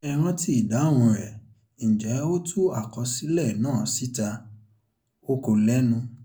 Ṣé ẹ rántí ìdáhùn ẹ̀... ǹjẹ́ o tú àkọsílẹ̀ náà síta? Ó kọ lẹ́nu